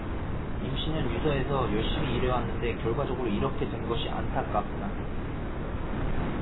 임씨는 유서에서 열심히 일해왔는데 결과적으로 이렇게 된 것이 안타깝다